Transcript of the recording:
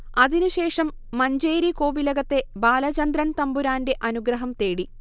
അതിനുശേഷം മഞ്ചേരി കോവിലകത്തെ ബാലചന്ദ്രൻ തന്പുരാൻറെ അനുഗ്രഹം തേടി